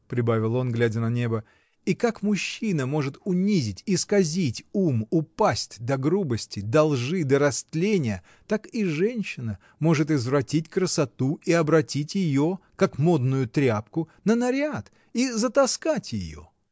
— прибавил он, глядя на небо, — и как мужчина может унизить, исказить ум, упасть до грубости, до лжи, до растления, так и женщина может извратить красоту и обратить ее, как модную тряпку, на наряд и затаскать ее.